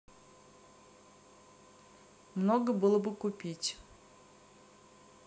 много было бы купить